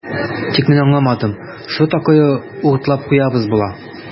Тик менә аңламадым, что такое "уртлап куябыз" була?